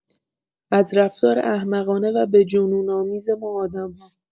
از رفتار احمقانه و به جنون‌آمیز ما آدم‌ها.